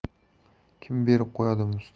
kim berib qo'yadi